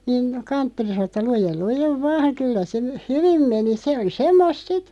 niin kanttori sanoi että lue lue vain kyllä se hyvin meni se oli semmoista sitten